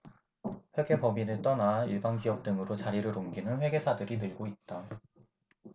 회계법인을 떠나 일반 기업 등으로 자리를 옮기는 회계사들이 늘고 있다